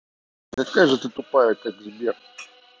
афина какая же тупая как сбер